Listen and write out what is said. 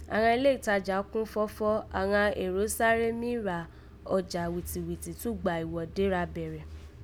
Àghan ilé ìtaja kún fọ́fọ́, àghan èrò sá mí háré ra ọjà wìtìwìtì túgbà ìwọ́de ra bẹ̀rẹ̀